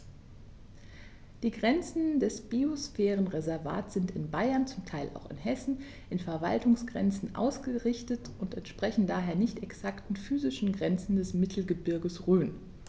Die Grenzen des Biosphärenreservates sind in Bayern, zum Teil auch in Hessen, an Verwaltungsgrenzen ausgerichtet und entsprechen daher nicht exakten physischen Grenzen des Mittelgebirges Rhön.